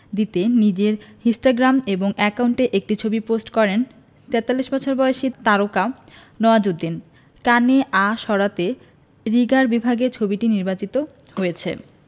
দিতে নিজের হিস্টাগ্রাম অ্যাকাউন্টে একটি ছবি পোস্ট করেন ৪৩ বছর বয়সী তারকা নওয়াজুদ্দিন কানে আঁ সারতে রিগার বিভাগে ছবিটি নির্বাচিত হয়েছে